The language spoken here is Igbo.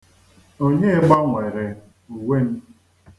Onye gbanwere uwe m?